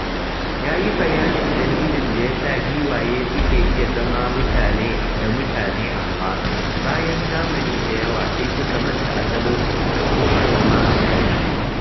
Ya yi bayanin dalilin da ya sa giwaye suke iya zama da mutane amma, bayan zamani da yawa, sai suka manta asalinsu suka koma zama a daji.